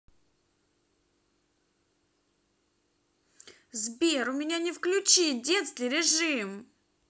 сбер у меня не включи детский режим